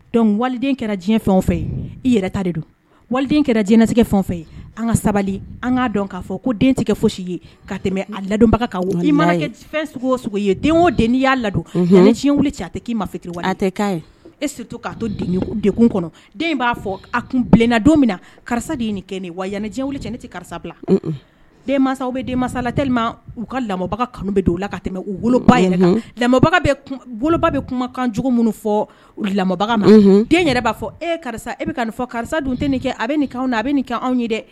Dɔnku waliden kɛra diɲɛ fɛn fɛ i yɛrɛ ta de don wali kɛra jinɛtigɛgɛ fɛn fɛ an ka sabali an k'a dɔn k'a fɔ ko den tigɛ foyi si ye ka tɛmɛ a ladonbaga ye fɛn ye den o den' y'a ladon ne diɲɛ wili cɛ tɛ k'i ma fitiri e situ'a to dekun kɔnɔ den b'a fɔ a kun bilenna don min na karisa de ye ɲini kɛ nin wa ɲana wili cɛ ne tɛ karisa bila den mansaw bɛ den mansalaelili ma u ka lamɔbaga kanu bɛ don u la ka tɛmɛ u woloba laba bɛ kumakan cogo minnu fɔ lamɔbaga ma den yɛrɛ b'a fɔ e karisa e bɛ ka nin fɔ karisa don tɛ a bɛ nin na a bɛ nin kɛ anw ye dɛ